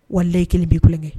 Wali kelen bɛi kukɛ